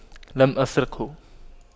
لم أسرقه